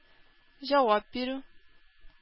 Җавап бирү